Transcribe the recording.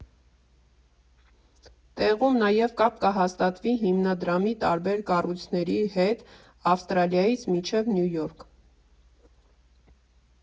Տեղում նաև կապ կհաստատվի հիմնադրամի տարբեր կառույցների հետ՝ Ավստրալիայից մինչև Նյու Յորք։